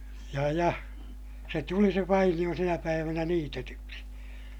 ja ja se tuli se vainio sinä päivänä niitetyksi